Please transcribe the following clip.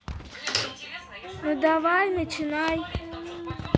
ну давай начинай